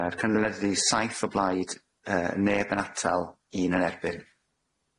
Yy cynleddu saith o blaid yy neb yn atal un yn erbyn.